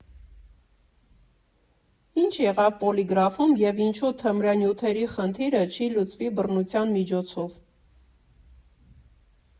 Ի՞նչ եղավ Պոլիգրաֆում և ինչո՞ւ թմրանյութերի խնդիրը չի լուծվի բռնության միջոցով։